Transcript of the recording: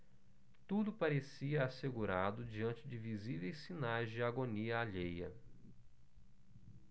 tudo parecia assegurado diante de visíveis sinais de agonia alheia